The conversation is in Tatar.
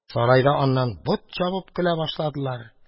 Сарайда аннан бот чабып көлә башладылар.